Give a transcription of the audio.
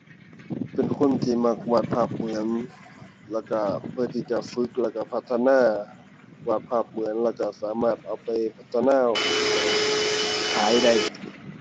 เป็นคนที่มักวาดภาพเหมือน แล้วก็เพื่อที่จะฝึก แล้วก็พัฒนาวาดภาพเหมือน แล้วก็สามารถเอาไปพัฒนาและขายได้